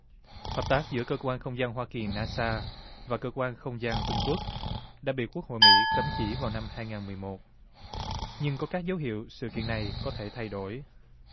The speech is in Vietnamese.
hợp tác giữa cơ quan không gian hoa kỳ na sa và cơ quan không gian trung quốc đại biểu quốc hội mỹ cấm chỉ vào năm hai ngàn mười một nhưng có các dấu hiệu sự kiện này có thể thay đổi